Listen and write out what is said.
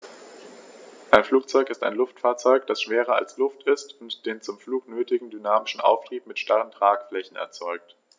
Ein Flugzeug ist ein Luftfahrzeug, das schwerer als Luft ist und den zum Flug nötigen dynamischen Auftrieb mit starren Tragflächen erzeugt.